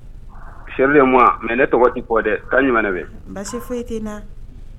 Sɛ mɛ ne tɔgɔti kɔ dɛ taa ɲuman baasi foyi i tɛ